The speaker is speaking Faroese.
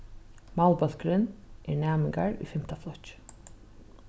málbólkurin er næmingar í fimta flokki